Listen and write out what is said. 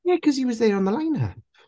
Yeah cos he was there on the line-up.